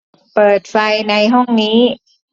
เปิดไฟในห้องนี้